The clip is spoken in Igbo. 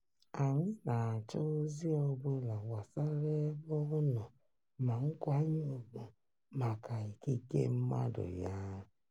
Anyị na-achọ ozi ọ bụla gbasara ebe ọ nọ ma nkwanye ùgwù maka ikike mmadụ ya.